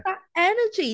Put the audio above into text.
That energy.